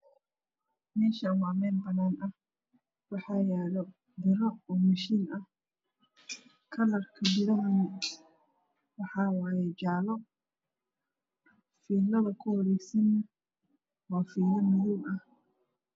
Meeshaani waa meel banaan ah waxaa yaalo biro oo mishin ah. Kalarka birahana waxa waaye jaalo. Fiilada ku wareegsana waa fiilo madow ah.